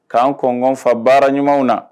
K'an kɔn ngɔfa baara ɲumanw na